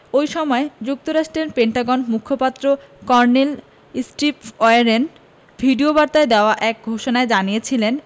ওই সময় যুক্তরাষ্ট্রের পেন্টাগন মুখপাত্র কর্নেল স্টিভ ওয়ারেন ভিডিওবার্তায় দেওয়া এক ঘোষণায় জানিয়েছিলেন